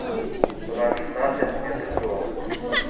bularning barchasiga biz guvohmiz